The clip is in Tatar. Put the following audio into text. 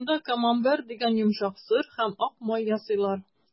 Монда «Камамбер» дигән йомшак сыр һәм ак май ясыйлар.